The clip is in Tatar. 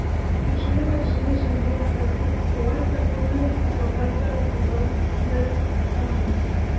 Тикшерү барышында җинаять-процессуаль законны бозулар да булды дип саныйм.